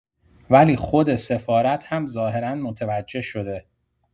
ولی خود سفارت هم ظاهرا متوجه شده.